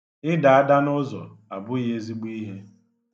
Ida ada n'ụzọ abụghi ezigbo ihe.